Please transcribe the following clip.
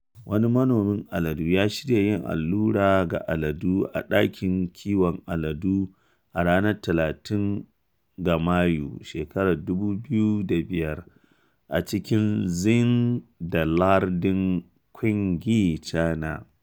Wani manomin alade ya shirya yin allura ga aladu a ɗakin kiwon aladu a ranar 30 ga Mayu, 2005 a cikin Xining da Lardin Qinghai, China.